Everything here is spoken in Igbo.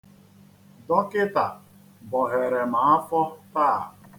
Dọkịta bọhere m afọ taa.